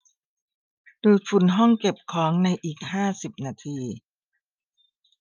ดูดฝุ่นห้องเก็บของในอีกห้าสิบนาที